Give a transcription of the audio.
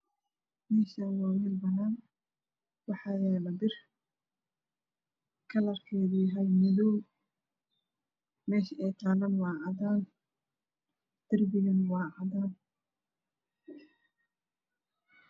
Meeshan waa meel banaan waxaa yaalo bir kalarkedu yahay madoow mesha aytaalona waa cadaan darbigana waa cadaan